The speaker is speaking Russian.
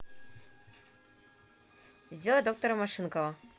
сделай доктор машинкова